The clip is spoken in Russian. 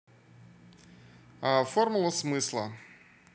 формула смысла